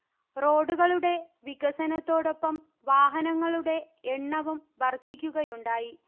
റോഡുകളുടെ വികസനത്തോടൊപ്പം വാഹനങ്ങളുടെ എണ്ണവും വർധിക്കുകയുണ്ടായി